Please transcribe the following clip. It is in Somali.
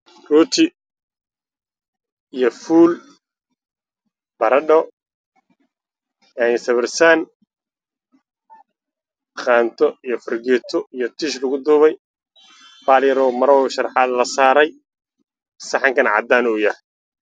Halkaan waxaa ka muuqdo saxan cad oo ay saaran yihiin digir, buskut, yaanyo ansalaato iyo jibsi waxaana saxanka agyaalo fargeeto tiish lagu duubay